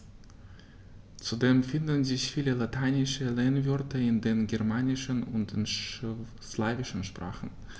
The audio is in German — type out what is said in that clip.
Zudem finden sich viele lateinische Lehnwörter in den germanischen und den slawischen Sprachen.